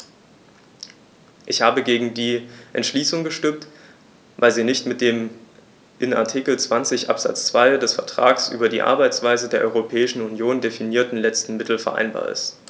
Ich habe gegen die Entschließung gestimmt, weil sie nicht mit dem in Artikel 20 Absatz 2 des Vertrags über die Arbeitsweise der Europäischen Union definierten letzten Mittel vereinbar ist.